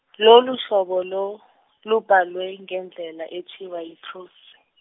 lolu hlobo lo lubhalwe ngendlela ethiwa yiphrosi.